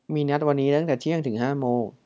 มีนัดวันนี้ตั้งแต่เที่ยงถึงห้าโมง